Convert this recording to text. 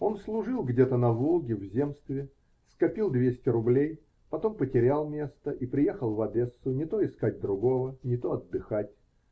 Он служил где-то на Волге в земстве, скопил двести рублей, потом потерял место и приехал в Одессу не то искать другого, не то отдыхать.